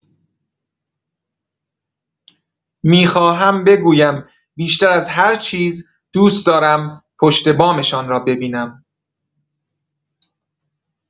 می‌خواهم بگویم بیشتر از هر چیز دوست دارم پشت‌بام‌شان را ببینم.